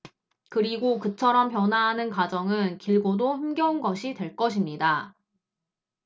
그리고 그처럼 변화하는 과정은 길고도 힘겨운 것이 될 것입니다